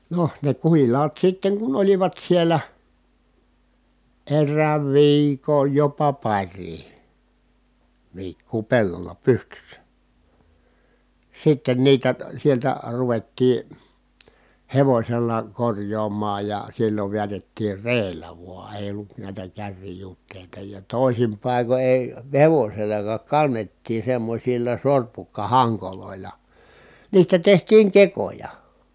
no ne kuhilaat sitten kun olivat siellä erään viikon jopa parikin viikkoa pellolla pystyssä sitten niitä sieltä ruvettiin hevosella korjaamaan ja silloin vedätettiin reellä vain ei ollut näitä kärrijuteita ja toisin paikoin ei hevosellakaan kannettiin semmoisilla sorpukkahangoilla niistä tehtiin kekoja